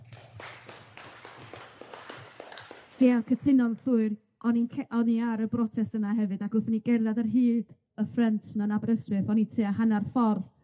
Ia, cytuno'n llwyr, o'n i'n ce- o'n i ar y brotest yna hefyd ac wrth i ni gerddad ar hyd y front 'na yn Aberystwyth, o'n i tua hanner ffordd